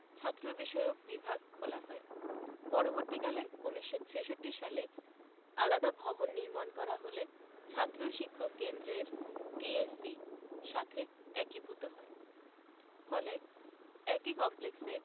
ছাত্রবিষয়ক বিভাগ খোলা হয় পরবর্তীকালে ১৯৬৬ সালে আলাদা ভবন নির্মাণ করা হলে ছাত্র শিক্ষক কেন্দ্রের টিএসসি সাথে একীভূত হয় ফলে একই কমপ্লেক্সে